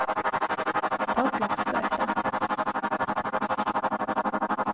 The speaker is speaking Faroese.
tollaksgøta